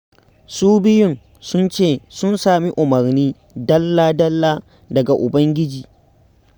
Su biyun sun ce sun sami umarni dalla-dalla daga ubangiji.